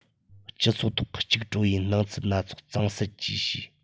སྤྱི ཚོགས ཐོག གི སྐྱུག བྲོ བའི སྣང ཚུལ སྣ ཚོགས གཙང སེལ བཅས བྱས